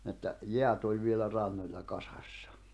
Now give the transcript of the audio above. että jäät oli vielä rannoilla kasassa